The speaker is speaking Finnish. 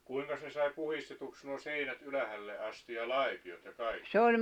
kuinkas ne sai puhdistetuksi nuo seinät ylhäälle asti ja laipiot ja kaikki